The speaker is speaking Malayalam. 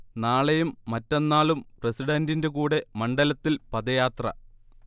നാളെയും മറ്റന്നാളും പ്രസിഡന്റിന്റെ കൂടെ മണ്ഡലത്തിൽ പദയാത്ര